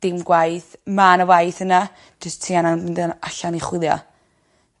dim gwaith ma' 'na waith yna jyst ti anan mynd yn allan i chwilio.